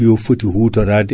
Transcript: ɗi o foti hutorade